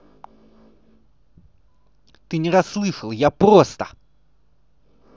ты не расслышал я просто